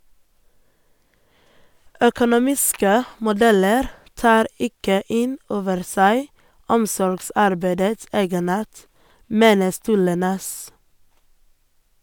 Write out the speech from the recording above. - Økonomiske modeller tar ikke inn over seg omsorgsarbeidets egenart, mener Sturle Næss.